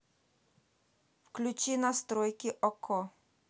включи настройки окко